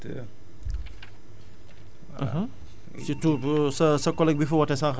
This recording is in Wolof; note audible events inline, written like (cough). di (noise) la gërëm di gërëm (hesitation) tamit (noise)